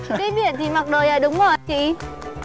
đi biển thì mặc đồ này là đúng rồi à chị